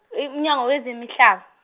umNyango weZemihlaba.